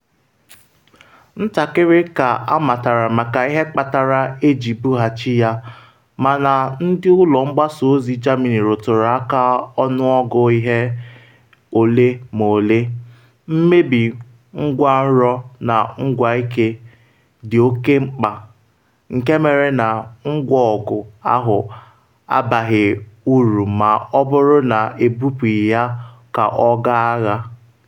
Ntakịrị ka amatara maka ihe kpatara eji bughachi ya, mana ndị ụlọ mgbasa ozi Germany rụtụrụ aka ọnụọgụ ihe ole ma ole “mmebi ngwanro na ngwaike “ dị oke mkpa, nke mere na ngwa ọgụ ahụ abaghị uru ma ọ bụrụ na-ebupu ya ka ọ gaa agha.